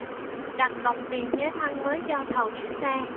đặt cọc tiền thế chân mới cho thầu giữ xe